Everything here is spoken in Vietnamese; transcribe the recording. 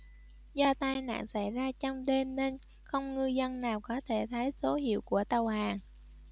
do tai nạn xảy ra trong đêm nên không ngư dân nào có thể thấy số hiệu của tàu hàng